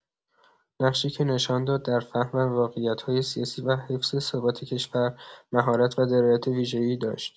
نقشی که نشان داد در فهم واقعیت‌های سیاسی و حفظ ثبات کشور مهارت و درایت ویژه‌ای داشت.